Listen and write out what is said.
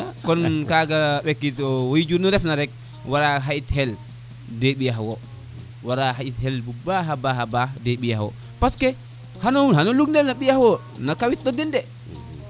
kon kaga ɓekin wejuur nu ref na rek wara xaƴit xel xa ɓiya xe wowala xaƴit xel bu baxa baxa baax xa ɓiya xewo parce que xano lug nel xa ɓiya xewo na kawit oden de